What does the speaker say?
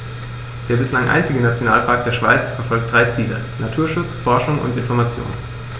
Der bislang einzige Nationalpark der Schweiz verfolgt drei Ziele: Naturschutz, Forschung und Information.